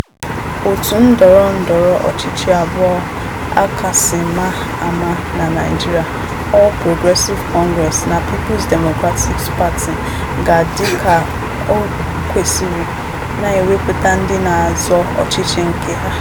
Òtù ndọrọ ndọrọ ọchịchị abụọ a kasị maa ama na Naịjirịa, All Progressive Congress na Peoples Democratic Party, ga, dị ka o kwesịrị, na-ewepụta ndị na-azọ ọchịchị nke ha: